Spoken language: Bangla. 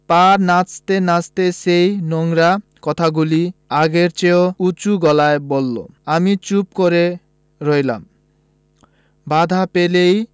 পা নাচাতে নাচাতে সেই নোংরা কথাগুলি আগের চেয়েও উচু গলায় বললো আমি চুপ করে রইলাম বাধা পেলেই